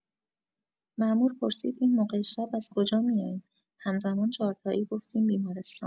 مامور پرسید این موقع شب از کجا میاین همزمان چهارتایی گفتیم بیمارستان